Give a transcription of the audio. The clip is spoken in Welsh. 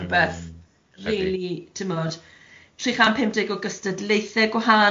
rwbeth rili timod, tri chant pump deg o gystadleuthe gwahanol,